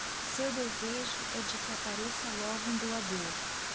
seu desejo é de que apareça logo um doador